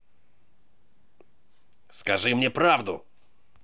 скажи мне правду